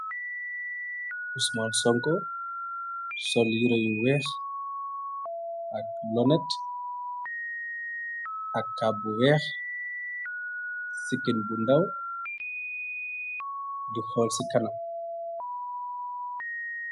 Usmon Sonko sol yireyu weex, ak lonet, ak kab bu weex, sikinye bu ndaw, di xool ci kanam.